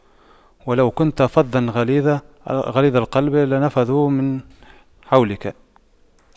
وَلَو كُنتَ فَظًّا غَلِيظَ القَلبِ لاَنفَضُّواْ مِن حَولِكَ